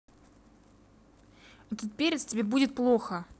этот перец тебе будет плохо